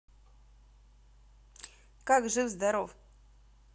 как жив здоров